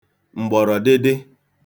m̀gbọ̀rọ̀dịdị